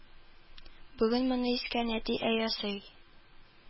Бүген моны искә нәти ә ясый